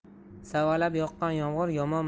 savalab yoqqan yomg'ir yomon